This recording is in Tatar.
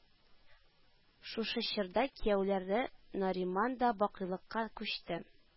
Шушы чорда кияүләре Нариман да бакыйлыкка күчте